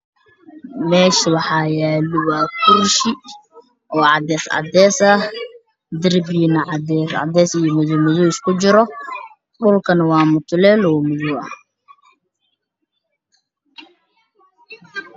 Meeshaan waxaa yaalo kursi cadaan ah, darbiga waa cadaan iyo madow isku jiro, dhulkuna waa mutuleel madow ah.